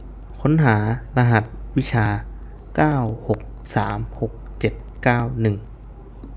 ค้นหารหัสวิชาเก้าหกสามหกเจ็ดเก้าหนึ่ง